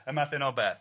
Y math yna o beth.